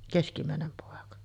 keskimmäinen poika